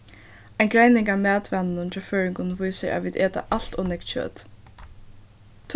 ein greining av matvanunum hjá føroyingum vísir at vit eta alt ov nógv kjøt